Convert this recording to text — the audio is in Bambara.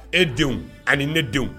E denw ani ne denw